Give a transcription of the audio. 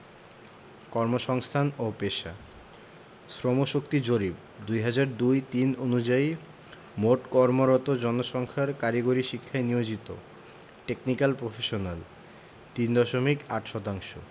কর্মসংস্থান ও পেশাঃ শ্রমশক্তি জরিপ ২০০২ ০৩ অনুযায়ী মোট কর্মরত জনসংখ্যার কারিগরি পেশায় নিয়োজিত টেকনিকাল প্রফেশনাল ৩ দশমিক ৮ শতাংশ